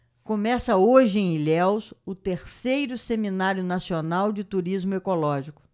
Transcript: começa hoje em ilhéus o terceiro seminário nacional de turismo ecológico